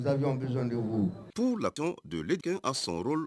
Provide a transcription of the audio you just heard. Tuu lat don a